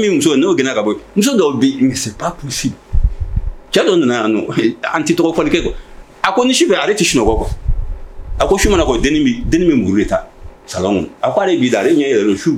min muso n'o gɛn ka bɔ muso dɔw bisi ca dɔ nana yan an tɛ tɔgɔlikɛ kɔ a ko ni bɛ ale tɛ sunɔgɔ kɔ a ko mana ko den min b muru de ta sa a'ale b bii da ale ɲɛ yɛrɛ su